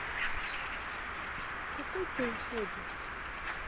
какой ты уходишь